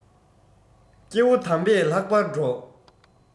སྐྱེ བོ དམ པས ལྷག པར སྒྲོགས